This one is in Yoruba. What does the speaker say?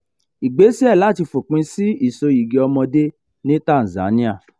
Ìgbésẹ̀ láti fòpin sí ìsoyìgì ọmọdé ní Tanzania